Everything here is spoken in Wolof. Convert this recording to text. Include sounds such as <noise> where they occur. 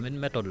<hesitation> <hesitation>